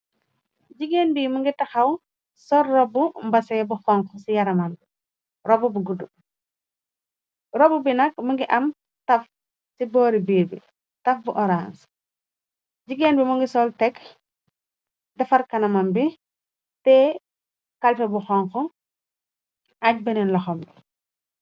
Jjigeen bi më ngi taxaw. Sol robu mbase bu xonk ci yaramam bi. Robu bu gudd rob bi nag më ngi am taf ci boori biir bi taf bu orange. Jjigeen bi mu ngi sol teg defar kanamam bi te calpe bu xonk aaj beneen loxam bi.